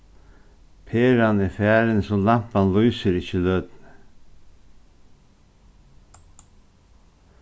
peran er farin so lampan lýsir ikki í løtuni